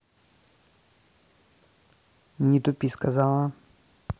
не тупи сказала